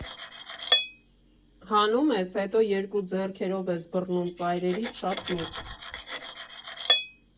Հանում ես, հետո երկու ձեռքով ես բռնում՝ ծայրերից, շատ նուրբ։